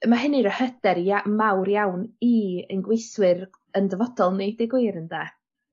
y ma' hynny roi hyder ia- mawr iawn i ein gweithwyr 'yn dyfodol ni deu y gwir ynde?